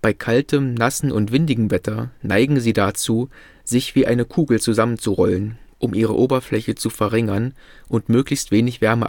Bei kaltem, nassem und windigen Wetter neigen sie dazu, sich wie eine Kugel zusammenzurollen, um ihre Oberfläche zu verringern und möglichst wenig Wärme abzugeben